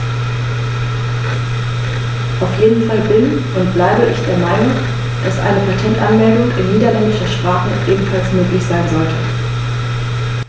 Auf jeden Fall bin - und bleibe - ich der Meinung, dass eine Patentanmeldung in niederländischer Sprache ebenfalls möglich sein sollte.